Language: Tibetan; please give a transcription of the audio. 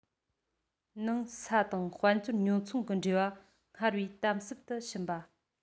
ནང ས དང དཔལ འབྱོར ཉོ ཚོང གི འབྲེལ བ སྔར བས དམ ཟབ ཏུ ཕྱིན པ